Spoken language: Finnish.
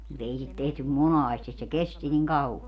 mutta ei sitä tehty monasti se kesti niin kauan